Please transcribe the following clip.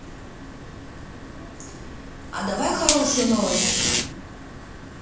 а давай хорошую новость